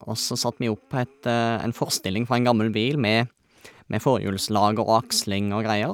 Og så satt vi opp et en forstilling fra en gammel bil, med med forhjulslager og aksling og greier.